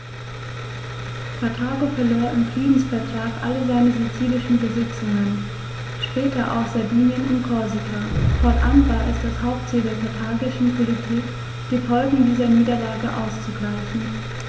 Karthago verlor im Friedensvertrag alle seine sizilischen Besitzungen (später auch Sardinien und Korsika); fortan war es das Hauptziel der karthagischen Politik, die Folgen dieser Niederlage auszugleichen.